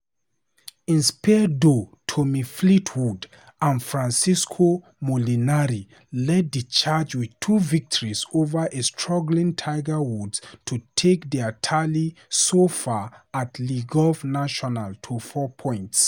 Inspired duo Tommy Fleetwood and Francesco Molinari led the charge with two victories over a struggling Tiger Woods to take their tally so far at Le Golf National to four points.